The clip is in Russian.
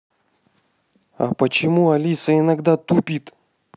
а почему алиса иногда тупит